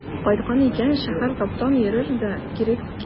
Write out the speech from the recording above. Кайткан икән, шәһәр таптап йөрер дә кире китәр.